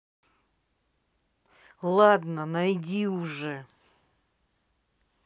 ладно найди уже